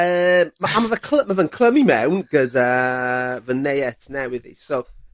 yym, ma'... ...ma' fe'n clymu mewn gyda fy neiet newydd i so